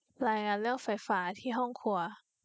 รายงานเรื่องไฟฟ้าที่ห้องครัว